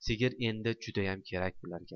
sigir endi judayam kerak bularga